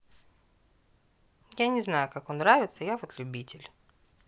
я не знаю как он нравится я вот любитель